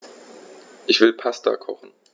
Ich will Pasta kochen.